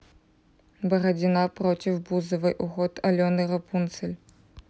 бородина против бузовой уход алены рапунцель